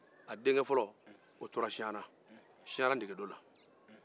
a denke fɔlɔ tora siana ntegedo la